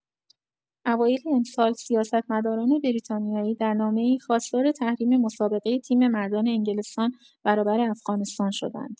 اوایل امسال، سیاستمداران بریتانیایی در نامه‌ای، خواستار تحریم مسابقه تیم مردان انگلستان برابر افغانستان شدند.